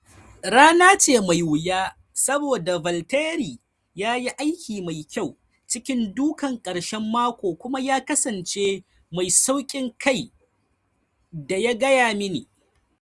Rana ce mai wuya saboda Valtteri ya yi aiki mai kyau cikin dukan karshen mako kuma ya kasance mai saukin kai da ya gaya mini.